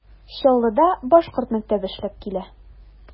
Чаллыда башкорт мәктәбе эшләп килә.